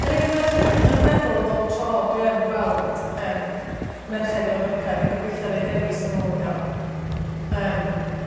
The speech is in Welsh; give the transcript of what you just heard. Yr unig beth dwi yn feddwl bob tro dwi yn gweld yym merched efo burqa 'di gobeithio 'na'u dewis n'w ydi o. Yym.